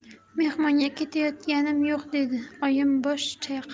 mehmonga ketayotganim yo'q dedi oyim bosh chayqab